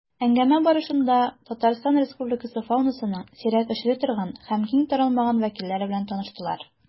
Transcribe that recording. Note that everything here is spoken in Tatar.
Әңгәмә барышында Татарстан Республикасы фаунасының сирәк очрый торган һәм киң таралмаган вәкилләре белән таныштылар.